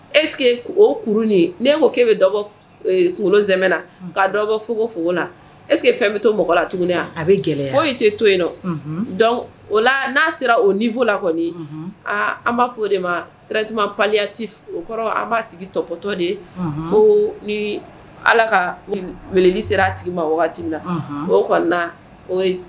Eseke que o kuruurun ni ne mako' bɛ kolonmɛ na ka dɔ fo ko f la eseke que fɛn bɛ to mɔgɔ la tuguni a bɛ gɛlɛn fo tɛ to yen o la n'a sera o nifo la kɔni aa an b'a fɔ de ma ttima paliyati o kɔrɔ an b'a tigi tɔptɔ de ye fo ni ala ka mli sera a tigi ma waati wagati na oo kɔnɔna